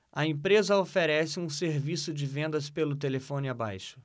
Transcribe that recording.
a empresa oferece um serviço de vendas pelo telefone abaixo